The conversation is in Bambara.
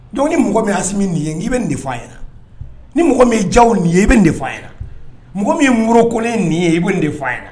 Dɔnku ni mɔgɔ bɛ ya min nin ye n k'i bɛ de faa a ɲɛna na ni mɔgɔ min ja nin ye i bɛ de fa na mɔgɔ min woro kolen nin ye i bɛ n de' ɲɛna